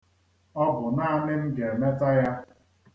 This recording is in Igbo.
Ọ bụ naanị m ga-emeta ya.